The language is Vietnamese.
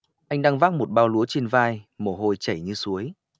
anh đang vác một bao lúa trên vai mồ hôi chảy như suối